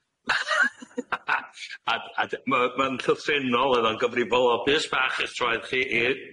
A d- a d-... Ma'- ma'n llythrennol, o'dd o'n gyfrifol o bys bach eich troed chi i